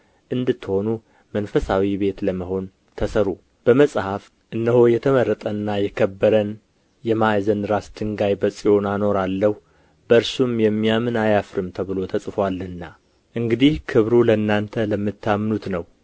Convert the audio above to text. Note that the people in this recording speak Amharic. እንድትሆኑ መንፈሳዊ ቤት ለመሆን ተሠሩ በመጽሐፍ እነሆ የተመረጠና የከበረን የማዕዘን ራስ ድንጋይ በጽዮን አኖራለሁ በእርሱም የሚያምን አያፍርም ተብሎ ተጽፎአልና እንግዲህ ክብሩ ለእናንተ ለምታምኑት ነው